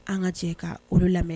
An ka cɛ ka olu lamɛn